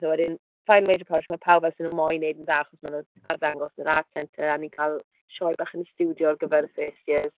A wedyn, final major project ma' pawb wastad yn moyn wneud yn dda, achos maen nhw'n arddangos yr art centre, a ni'n cael sioe bach yn y stiwdio ar gyfer y first years.